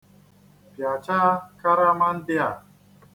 Pịachaa karama ndị a.